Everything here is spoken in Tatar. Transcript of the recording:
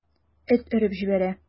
Эт өреп җибәрә.